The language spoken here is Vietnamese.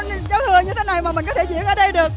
en giao thừa mình có thể diễn ở đây được